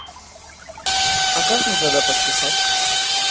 а как мне тогда подписать